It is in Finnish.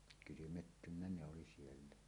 kylmettynyt ne oli siellä